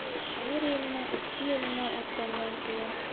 bir yilmi ikki yilmi o'tgandan keyin